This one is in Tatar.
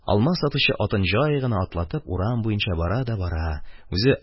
Алма сатучы, атын җай гына атлатып, урам буенча бара да бара, үзе